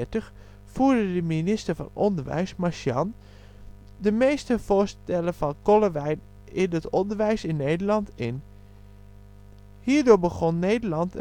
de minister van Onderwijs, Marchant, de meeste voorstellen van Kollewijn in het onderwijs in Nederland in. Hierdoor begonnen Nederland